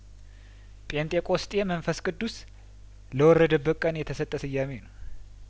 ጴንጤቆስጤ መንፈስ ቅዱስ ለወረደበት ቀን የተሰጠ ስያሜ ነው